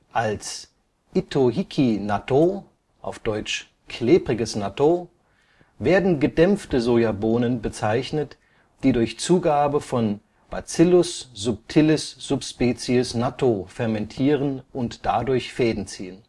als Itohiki-Nattō (糸引き納豆, deutsch: klebriges Nattō) werden gedämpfte Sojabohnen bezeichnet, die durch Zugabe von Bacillus subtilis ssp. natto fermentieren und dadurch Fäden ziehen